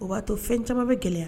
O b'a to fɛn caman bɛ gɛlɛya